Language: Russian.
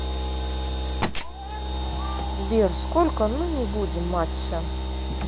сбер сколько но не будем матча